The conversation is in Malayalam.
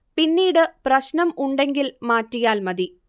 പിന്നീട് പ്രശ്നം ഉണ്ടെങ്കിൽ മാറ്റിയാൽ മതി